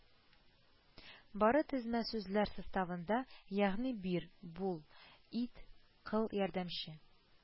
Бары тезмә сүзләр составында, ягъни бир, бул, ит, кыл ярдәмче